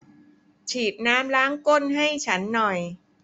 ฉีดน้ำล้างก้นให้ฉันหน่อย